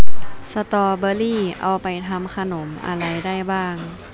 สตอเบอร์รี่เอาไปทำขนมอะไรได้บ้าง